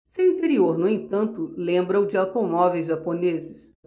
seu interior no entanto lembra o de automóveis japoneses